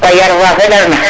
Fa yar fa feɗarna